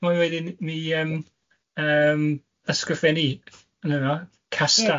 Mae raid i mi yym yym ysgrifennu yn yr ardd. Castan.